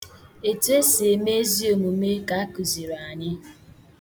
Etu e si eme ezi omume ka a kụziri anyị.